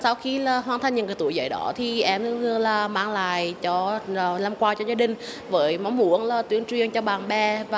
sau khi là hoàn thành những người tuổi giải đó thì em vừa là mang lại cho làm qua cho gia đình với mong muốn là tuyên truyền cho bạn bè và